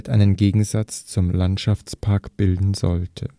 einen Gegensatz zum Landschaftspark bilden sollte